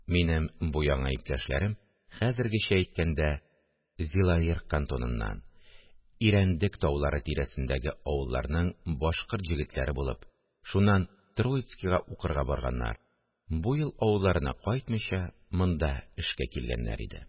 Минем бу яңа иптәшләрем, хәзергечә әйткәндә, Зилаер кантоныннан, Ирәндек таулары тирәсендәге авылларның башкорт җегетләре булып, шуннан Троицкига укырга барганнар, бу ел авылларына кайтмыйча, монда эшкә килгәннәр иде